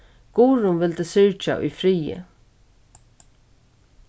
guðrun vildi syrgja í friði